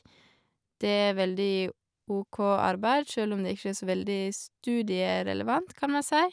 Det er veldig OK arbeid sjøl om det ikke er så veldig studierelevant, kan man si.